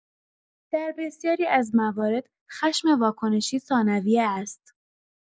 در بسیاری از موارد، خشم واکنشی ثانویه است؛